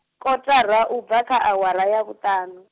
kotara ubva kha awara ya vhuṱaṋu.